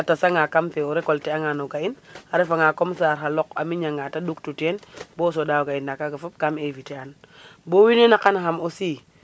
A tasangaa kam fe o recolter angaan o ga'in a refanga comme genre la loq a miñanga ta ɗuqtu ten bo o soɗaa o ga'in ndaa kaaga fop kaam eviter an bo wiin we naqanaxam aussi.